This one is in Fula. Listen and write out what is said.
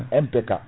MPK